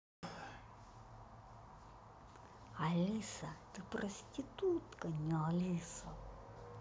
алиса ты проститутка не алиса